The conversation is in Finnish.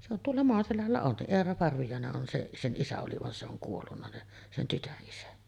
se on tuolla Maaselällä on se Eera Parviainen on se sen isä oli vaan se on kuollut niin sen tytön isä